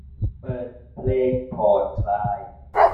เปิดเพลงผ่อนคลาย